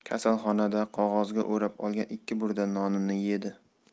kasalxonada qog'ozga o'rab olgan ikki burda nonni yedi